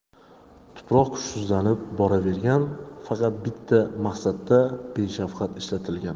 tuproq kuchsizlanib boravergan faqat bitta maqsadda beshafqat ishlatilgan